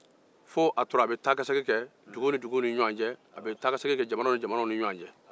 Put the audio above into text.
a tun bɛ taama ke duguw ni ɲɔgɔn cɛ jamanaw ni ɲɔgɔn cɛ